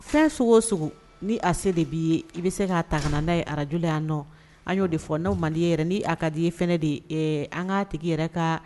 Fɛn sogo sogo ni a se de bɛ i bɛ se ka' ta ka n'a ye arajula yan nɔ an'o de fɔ n'o man yɛrɛ ni a ka di ye f de an ka tigi yɛrɛ ka